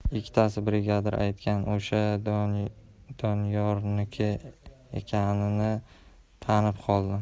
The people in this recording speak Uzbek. ikkitasi brigadir aytgan o'sha doniyorniki ekanini tanib qoldim